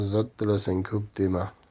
izzat tilasang ko'p dema